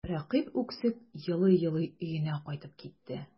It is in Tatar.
Рәкыйп үксеп елый-елый өенә кайтып китте.